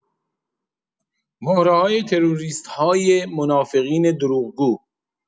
مهره‌های تروریست‌های منافقین دروغگو